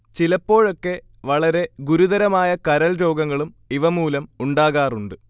ചിലപ്പോഴൊക്കെ വളരെ ഗുരുതരമായ കരൾരോഗങ്ങളും ഇവ മൂലം ഉണ്ടാകാറുണ്ട്